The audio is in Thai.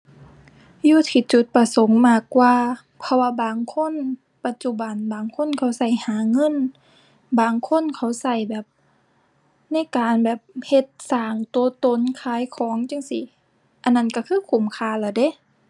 อยู่ที่จุดประสงค์มากกว่า เพราะว่าบางคน ปัจจุบันบางคนเขาใช้หาเงิน บางคนเขาใช้แบบ ในการแบบเฮ็ดสร้างใช้ตนขายของจั่งซี้ อันนั้นใช้คือคุ้มค่าแล้วเดะ